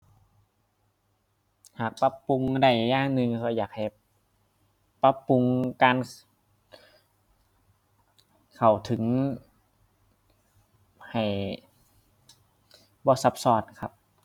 หากปรับปรุงได้อย่างหนึ่งก็อยากให้ปรับปรุงการ เข้าถึงให้บ่ซับซ้อนครับ